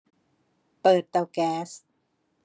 เปิดเตาแก๊ส